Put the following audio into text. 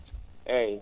eeyi